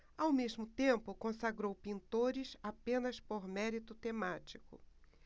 ao mesmo tempo consagrou pintores apenas por mérito temático